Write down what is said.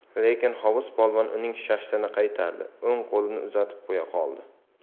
lekin hovuz polvon uning shashtini qaytardi o'ng qo'lini uzatib qo'ya qoldi